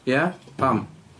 Ia? Pam?